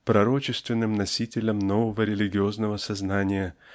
пророчественным носителем нового религиозного сознания